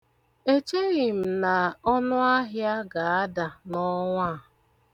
Echeghị m na ọnụahịa ga-ada n'ọnwa a.